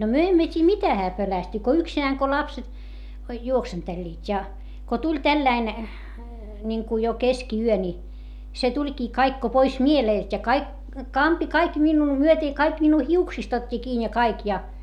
no me emme tiedä mitä hän pelästyi kun yksinään kun lapset juoksentelivat ja kun tuli tällainen niin kuin jo keskiyö niin se tulikin kaikki kun pois mieleltä ja kaikki kampi kaikki minua myöten ja kaikki minua hiuksista otti kiinni ja kaikki ja